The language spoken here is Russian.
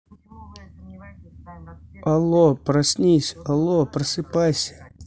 алло проснись алло просыпайся